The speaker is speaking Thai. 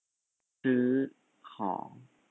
ซื้อของ